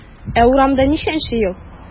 Ә урамда ничәнче ел?